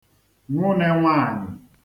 nwụnē nwaànyị̀